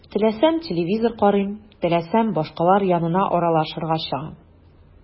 Теләсәм – телевизор карыйм, теләсәм – башкалар янына аралашырга чыгам.